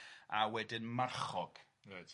A wedyn marchog... Reit....